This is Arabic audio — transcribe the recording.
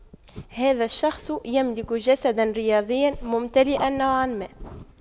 هذا الشخص يملك جسدا رياضيا ممتلئا نوعا ما